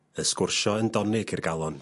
Y sgwrsio yn donig i'r galon.